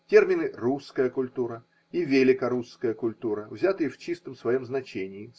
Термины русская культура и великорусская культура, взятые в чистом своем значении.